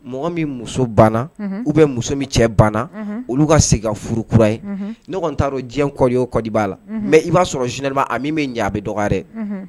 Mɔgɔ min muso banna unhun ou bien muso min cɛ banna unhun olu ka segin ka furu kura ye unhun ne kɔni t'a dɔn diɲɛ code o code b'a la unhun mais i b'a sɔrɔ généralement a min be ɲɛ a bɛ dɔgɔya dɛ unhun